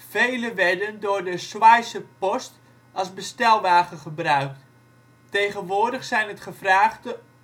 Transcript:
Vele werden door de Schweizer Post als bestelwagen gebruikt. Tegenwoordig zijn het gevraagde